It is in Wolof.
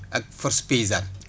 ak force paysane